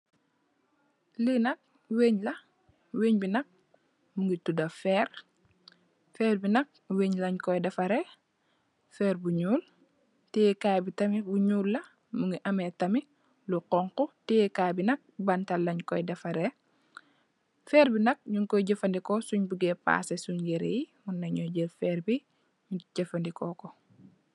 Li nak wen la wen bi nak mogi tuda ferr feer bi nak wen ken koi defaree ferr bu nuul tiye kai bi tamit bu nuul la mogi ame tamit lu xonxu tiyeye kai bi banta len ko defare yun koi jefendeko sung buge pase sun yere yi nyu jefendeko ko. .